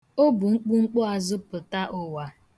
O bu mkpumkpuazụ pụta ụwa.